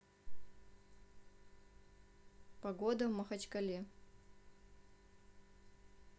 погода в махачкале